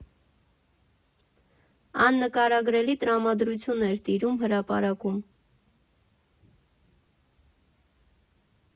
Աննկարագրելի տրամադրություն էր տիրում հրապարակում։